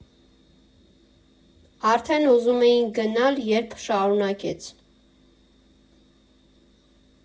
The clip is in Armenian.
Արդեն ուզում էինք գնալ, երբ շարունակեց.